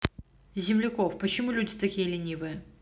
земляков почему люди такие ленивые